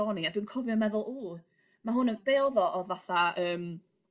o'n i a dwi'n cofio meddwl ŵ ma' hwn yn be' odd o odd fatha ym